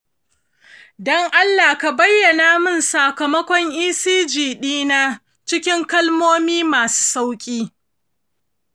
don allah ka bayyana min sakamakon ecg ɗina cikin kalmomi masu sauƙi.